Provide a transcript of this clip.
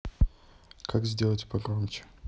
можно сделать погромче